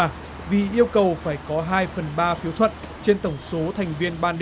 qua vì yêu cầu phải có hai phần ba phiếu thuận trên tổng số thành viên ban